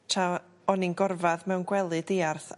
Tra o- o'n i'n gorfadd mewn gwely diarth